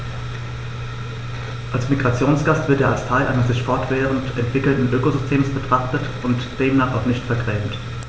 Als Migrationsgast wird er als Teil eines sich fortwährend entwickelnden Ökosystems betrachtet und demnach auch nicht vergrämt.